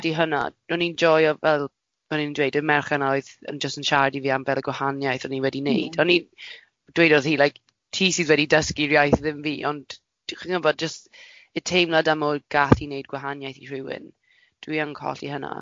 ...colli hynna. Ro'n i'n joio fel o'n i'n dweud, y merch yna oedd yn jyst yn siarad i fi am fel y gwahaniaeth o'n i wedi wneud ie, o'n i'n dweud wrth hi like, ti sydd wedi dysgu'r iaith ddim fi, ond d- chi'n gwybod jyst y teimlad am ôl gallu wneud gwahaniaeth i rhywun. Dwi yn colli hynna. Ie.